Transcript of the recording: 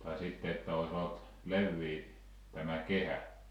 tai sitten että olisi ollut leveä tämä kehä